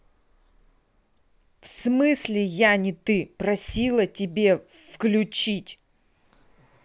в смысле я не ты просила тебе включить